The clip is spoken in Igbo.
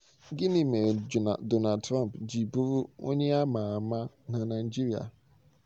Gịnị mere Donald Trump ji bụrụ onye a ma ama na Naịjirịa?